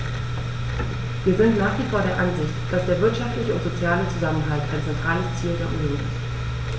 Wir sind nach wie vor der Ansicht, dass der wirtschaftliche und soziale Zusammenhalt ein zentrales Ziel der Union ist.